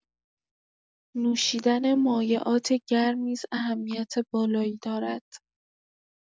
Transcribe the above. نوشیدن مایعات گرم نیز اهمیت بالایی دارد.